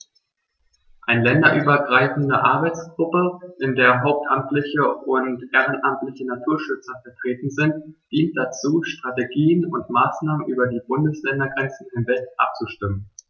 Eine länderübergreifende Arbeitsgruppe, in der hauptamtliche und ehrenamtliche Naturschützer vertreten sind, dient dazu, Strategien und Maßnahmen über die Bundesländergrenzen hinweg abzustimmen.